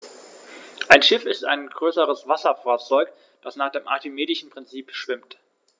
Ein Schiff ist ein größeres Wasserfahrzeug, das nach dem archimedischen Prinzip schwimmt.